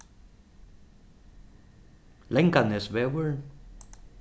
langanesvegur